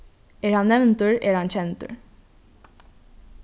er hann nevndur er hann kendur